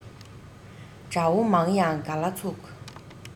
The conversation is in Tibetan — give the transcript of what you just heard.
དགྲ བོ མང ཡང ག ལ ཚུགས